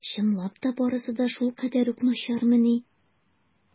Чынлап та барысы да шулкадәр үк начармыни?